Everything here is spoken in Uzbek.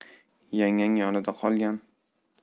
yangang yonida qolgan